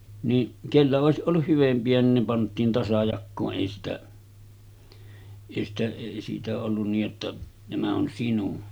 niin kenellä olisi ollut hyvempiä niin ne pantiin tasajakoon ei sitä ei sitä ei siitä ollut niin jotta nämä on sinun